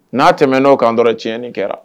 N'a tɛm n'o kanan dɔ tiɲɛɲɛni kɛra